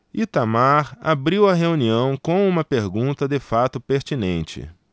itamar abriu a reunião com uma pergunta de fato pertinente